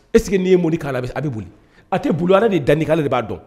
E sigi n'i ye mununi k'a a bɛ boli a tɛ boli ala ni danni de b'a dɔn